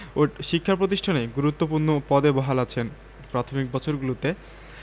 ও শিক্ষা প্রতিষ্ঠানে গুরুত্বপূর্ণ পদে বহাল আছেন প্রাথমিক বছরগুলিতে